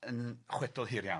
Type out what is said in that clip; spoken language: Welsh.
yn chwedl hir iawn.